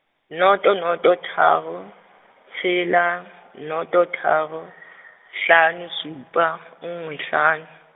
noto noto tharo, tshela, noto tharo , hlano supa, nngwe hlano.